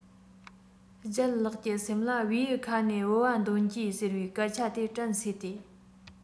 ལྗད ལགས ཀྱི སེམས ལ བེའུའི ཁ ནས ལྦུ བ འདོན གྱིས ཟེར བའི སྐད ཆ དེ དྲན གསོས ཏེ